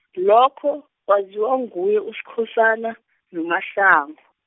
lokho, kwaziwa nguye kuSkhosana, noMasango.